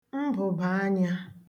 mbụ̀bàanyā